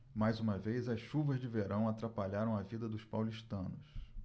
mais uma vez as chuvas de verão atrapalharam a vida dos paulistanos